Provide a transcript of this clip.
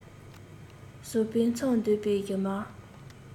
ཟོག པོའི མཚམ འདོན པའི བཞུ མར